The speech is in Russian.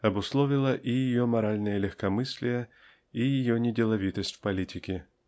обусловило и ее моральное легкомыслие и ее неделовитость в политике.